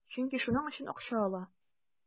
Чөнки шуның өчен акча ала.